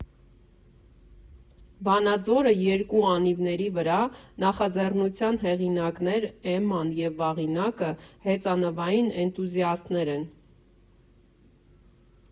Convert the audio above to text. «Վանաձորը՝ երկու անիվների վրա» նախաձեռնության հեղինակներ Էմման և Վաղինակը հեծանվային էնտուզիաիստներ են։